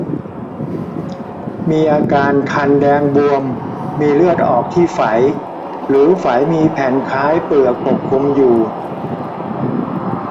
มีอาการคันแดงบวมมีเลือดออกที่ไฝหรือไฝมีแผ่นคล้ายเปลือกปกคลุมอยู่